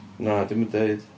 Na, dio'm yn deud.